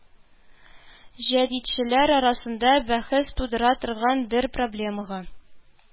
Җәдитчеләр арасында бәхәс тудыра торган бер проблемага